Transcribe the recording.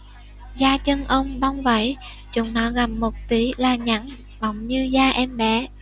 da chân ông bong vảy chúng nó gặm một tí là nhẵn bóng như da em bé